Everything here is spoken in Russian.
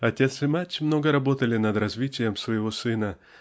Отец и мать много работали над развитием своего сына